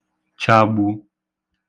chagbū